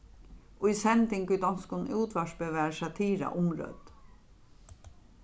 í sending í donskum útvarpi varð satira umrødd